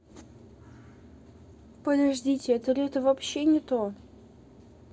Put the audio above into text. подождите это лето вообще не то